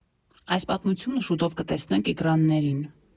Այս պատմությունը շուտով կտեսնենք էկրաններին։